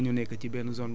li mën a nekk mooy nekk